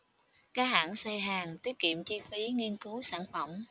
các hãng xe hàn tiết kiệm chi phí nghiên cứu sản phẩm